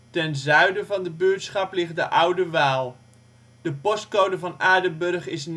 Ten zuiden van de buurtschap ligt de Oude Waal. De postcode van Aerdenburg is